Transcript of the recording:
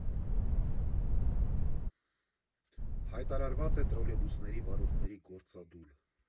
Հայտարարված է տրոլեյբուսների վարորդների գործադուլ։